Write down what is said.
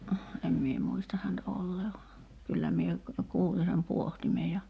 en minä muista häntä olleen vaan kyllä minä kuulin sen pohtimen ja